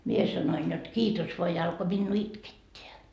minä sanoin jotta kiitos vain ja alkoi minua itkettää